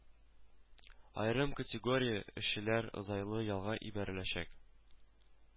Аерым категория эшчеләр озайлы ялга ибәреләчәк